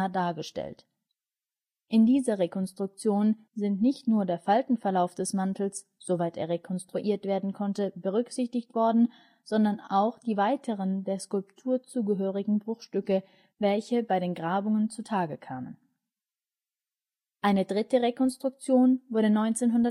dieser Rekonstruktion sind nicht nur der Faltenverlauf des Mantels, soweit er rekonstruiert werden konnte, berücksichtigt, sondern auch die weiteren der Skulptur zugehörigen Bruchstücke, welche bei den Grabungen zu Tage kamen. Eine dritte Rekonstruktion wurde 1918 wiederum von Grüttner